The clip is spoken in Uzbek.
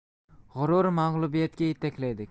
g'urur mag'lubiyatga yetaklaydi